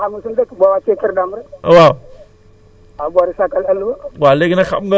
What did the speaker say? waaye man assurance man xamaguñ ko fii ci sunu boor bii yow xam nga xam nga sunu dëkk boo wàccee kër Dame rekk